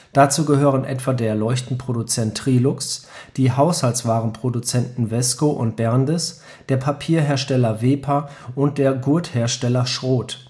Dazu gehören etwa der Leuchtenproduzent Trilux, die Haushaltswarenproduzenten Wesco und Berndes, der Papierhersteller Wepa und der Gurthersteller Schroth